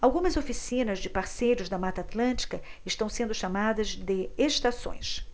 algumas oficinas de parceiros da mata atlântica estão sendo chamadas de estações